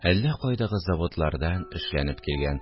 Әллә кайдагы заводлардан эшләнеп килгән